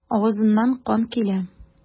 Авызыннан кан килә.